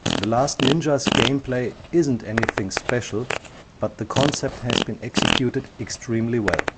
The Last Ninja 's gameplay isn't anything special, but the concept has been exceuted extremely well